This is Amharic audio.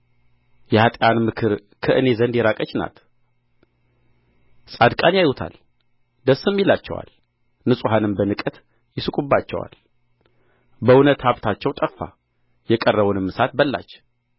የኃጥአን ምክር ከእኔ ዘንድ የራቀች ናት ጻድቃን ያዩታል ደስም ይላቸዋል ንጹሐንም በንቀት ይስቁባቸዋል በእውነት ሀብታቸው ጠፋ የቀረውንም እሳት በላች